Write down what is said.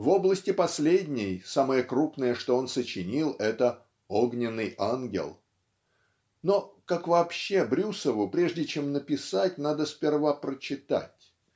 В области последней самое крупное что он сочинил это -- "Огненный ангел". Но как вообще Брюсову прежде чем написать надо сперва прочитать